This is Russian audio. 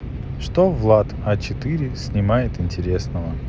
что влад а четыре снимает интересного